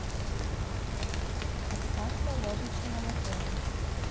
обкатка лодочного мотора